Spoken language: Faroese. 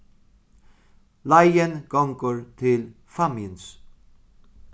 leiðin gongur til fámjins